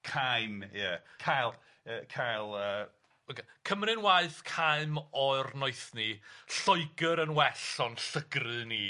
C- c- caem ie cael yy cael yy... Ocê Cymru'n waeth caem o'r noethni, Lloegr yn well ond llygru ni.